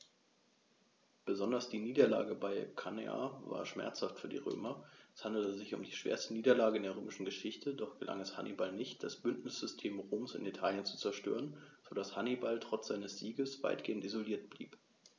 Besonders die Niederlage bei Cannae war schmerzhaft für die Römer: Es handelte sich um die schwerste Niederlage in der römischen Geschichte, doch gelang es Hannibal nicht, das Bündnissystem Roms in Italien zu zerstören, sodass Hannibal trotz seiner Siege weitgehend isoliert blieb.